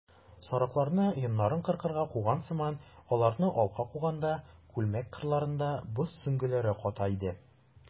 Сарыкларны йоннарын кыркырга куган сыман аларны алга куганда, күлмәк кырларында боз сөңгеләре ката иде.